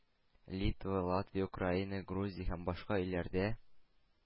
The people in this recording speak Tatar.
Литва, Латвия, Украина, Грузия һәм башка илләрдә